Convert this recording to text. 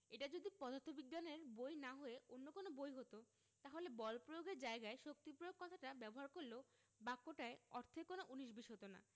এটা যদি পদার্থবিজ্ঞানের বই না হয়ে অন্য কোনো বই হতো তাহলে বল প্রয়োগ এর জায়গায় শক্তি প্রয়োগ কথাটা ব্যবহার করলেও বাক্যটায় অর্থের কোনো উনিশ বিশ হতো না